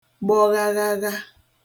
gbọ ghaghagha